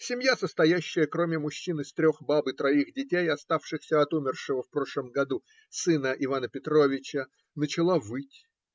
Семья, состоявшая, кроме мужчин, из трех баб и троих детей, оставшихся от умершего в прошлом году сына Ивана Петровича, начала выть.